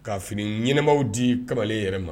ka fini ɲɛnamaw di kamalen yɛrɛ ma